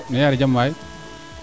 nu yaare jam waay